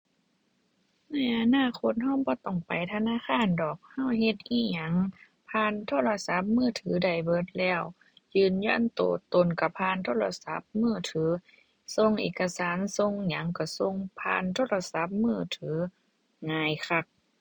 ในอนาคตเราบ่ต้องไปธนาคารดอก เราเฮ็ดอิหยังผ่านโทรศัพท์มือถือได้เบิดแล้ว ยืนยันเราตนเราผ่านโทรศัพท์มือถือ ส่งเอกสาร ส่งหยังเราส่งผ่านโทรศัพท์มือถือ ง่ายคัก